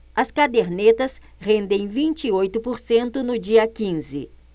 as cadernetas rendem vinte e oito por cento no dia quinze